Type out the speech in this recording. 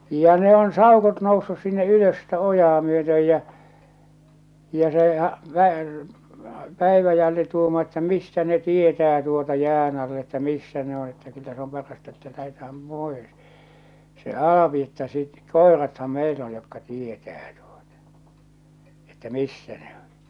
ja ne on saukot noussut sinne ylös sitä ojaa myöten ja ja se -- Päiväjälli tuumaa että mistä ne tietää tuota jään alla että missä ne on että kyllä se on parasta että lähdetään pois se Alpi että sitten koirathan meillä on jotka tietää tuota että missä ne on